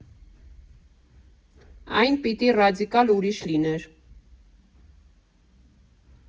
Այն պիտի ռադիկալ ուրիշ լիներ.